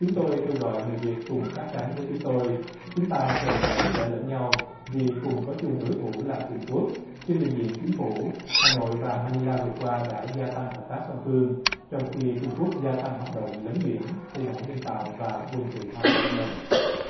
chúng tôi kêu gọi người việt cùng sát cánh với chúng tôi chúng ta cần phải giúp đỡ lẫn nhau vì cùng có chung đối thủ là trung quốc trên bình diện chính phủ hà nội và ma ni la vượt qua đã gia tăng hợp tác song phương trong khi trung quốc gia tăng hoạt động lấn biển xây đảo nhân tạo và quân sự hóa biển đông